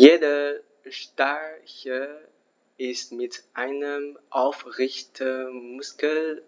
Jeder Stachel ist mit einem Aufrichtemuskel